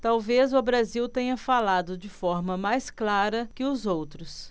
talvez o brasil tenha falado de forma mais clara que os outros